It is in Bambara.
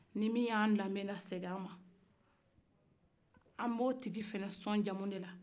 nin min y'an lamɛn ka segin an man an b'o tigi fana sɔn jamu de la